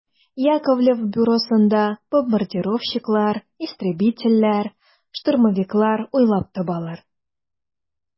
Яковлев бюросында бомбардировщиклар, истребительләр, штурмовиклар уйлап табалар.